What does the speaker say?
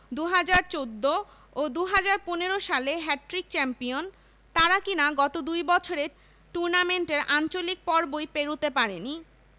২০১৪ ও ২০১৫ সালে hattrick champion তারা কিনা গত দুই বছরে টুর্নামেন্টের আঞ্চলিক পর্বই পেরোতে পারেনি